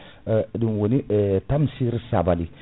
ɗum woni Tamsir Sabaly